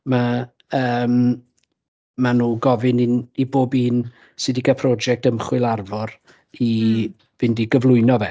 Ma' ymm mae nhw gofyn i n- i bob un sy 'di cael brosiect ymchwil Arfor i fynd i gyflwyno fe.